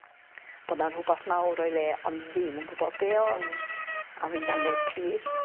bod 'na rhwbath mawr o'i le ond ddim yn gwbod be' o'dd. Hmm. A fi'n damn deud plîs